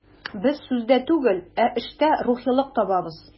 Без сүздә түгел, ә эштә рухилык табабыз.